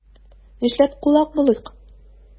Нишләп кулак булыйк?